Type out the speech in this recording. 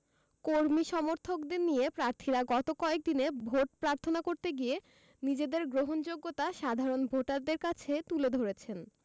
কর্মী সমর্থকদের নিয়ে প্রার্থীরা গত কয়েক দিনে ভোট প্রার্থনা করতে গিয়ে নিজেদের গ্রহণযোগ্যতা সাধারণ ভোটারদের কাছে তুলে ধরেছেন